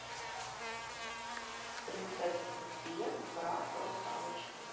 принцесса софия про русалочку